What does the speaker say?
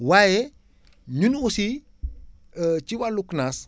waaye ñun aussi ci wàllu CNAAS